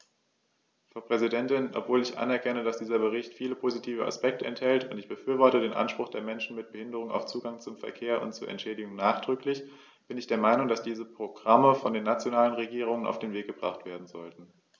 Frau Präsidentin, obwohl ich anerkenne, dass dieser Bericht viele positive Aspekte enthält - und ich befürworte den Anspruch der Menschen mit Behinderung auf Zugang zum Verkehr und zu Entschädigung nachdrücklich -, bin ich der Meinung, dass diese Programme von den nationalen Regierungen auf den Weg gebracht werden sollten.